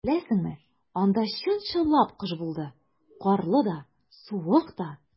Беләсеңме, анда чын-чынлап кыш булды - карлы да, суык та.